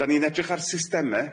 'Dan ni'n edrych ar systeme.